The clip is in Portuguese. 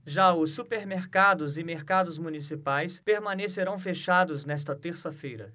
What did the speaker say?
já os supermercados e mercados municipais permanecerão fechados nesta terça-feira